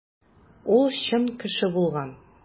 Ул чын кеше булган.